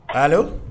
Aa